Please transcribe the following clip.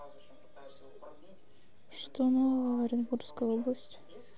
что нового в оренбургской области